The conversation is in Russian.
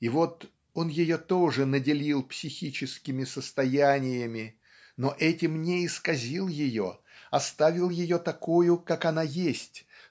И вот он ее тоже наделил психическими состояниями но этим не исказил ее оставил ее такою как она есть